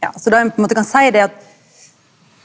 ja så det ein på ein måte kan seie det er at